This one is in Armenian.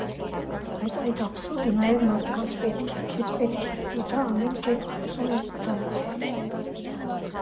Բայց այդ աբսուրդը նաև մարդկանց պետք է, քեզ պետք է, ու դու ամեն կերպ փորձում ես դա պահել։